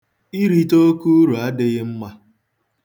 Irite oke uru adịghị mma.